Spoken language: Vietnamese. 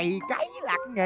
gì